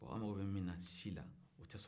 bon an mako bɛ min na si la o te sɔrɔ